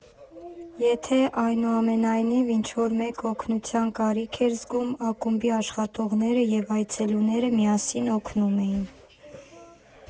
Եթե, այնուամենայնիվ, ինչ֊որ մեկը օգնության կարիք էր զգում, ակումբի աշխատողները և այցելուները միասին օգնում էին։